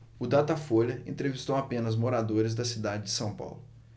o datafolha entrevistou apenas moradores da cidade de são paulo